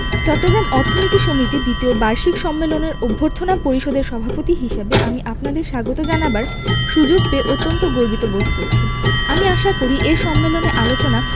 চট্টগ্রাম অর্থনীতি সমিতির দ্বিতীয় বার্ষিক সম্মেলনের অভ্যর্থনা পরিষদের সভাপতি হিসেবে আমি আপনাদের স্বাগত জানাবার সুযোগ পেয়ে অত্যন্ত গর্বিত বোধ করছি আমি আশা করি এ সম্মেলনে আলোচনা